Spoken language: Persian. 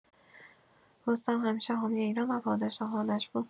رستم همیشه حامی ایران و پادشاهانش بود.